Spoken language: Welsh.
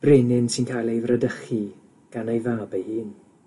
brenin sy'n cael ei fradychu gan ei fab ei hun.